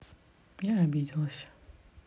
я обиделась